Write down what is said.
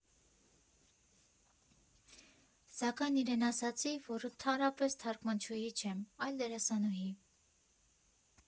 Սակայն իրեն ասացի, որ ընդհանրապես թարգմանչուհի չեմ, այլ դերասանուհի։